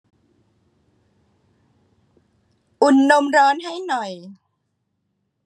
อุ่นนมร้อนให้หน่อย